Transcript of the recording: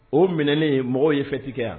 O minɛen ye mɔgɔw ye fɛtigi kɛ yan